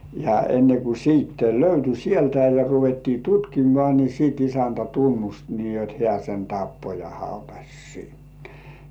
ja ennen kuin sitten löytyi sieltä ja ruvettiin tutkimaan niin sitten isäntä tunnusti niin jotta hän sen tappoi ja hautasi sinne